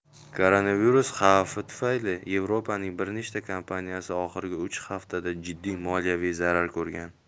koronavirus xavfi tufayli yevropaning bir nechta kompaniyasi oxirgi uch haftada jiddiy moliyaviy zarar ko'rgan